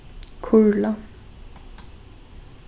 kurla